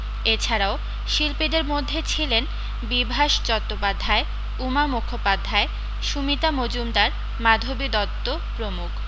এ ছাড়াও শিল্পীদের মধ্যে ছিলেন বিভাস চট্টোপাধ্যায় উমা মুখোপাধ্যায় সুমিতা মজুমদার মাধবী দত্ত প্রমুখ